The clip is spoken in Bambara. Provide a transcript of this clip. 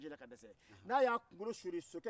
an muso ka sabali